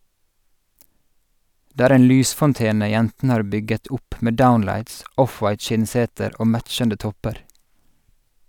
Det er en lysfontene jentene har bygget opp med downlights, offwhite skinnseter og matchende topper.